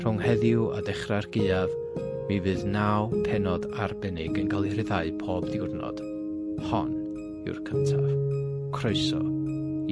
Rhwng heddiw a dechra'r Gaeaf, mi fydd naw pennod arbennig yn ca'l 'u rhyddhau pob diwrnod, hon yw'r cyntaf, croeso i...